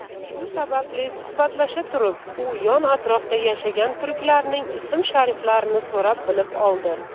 shu sababli suhbatlasha turib u yon atrofda yashagan turklarning ism shariflarini so'rab bilib oldi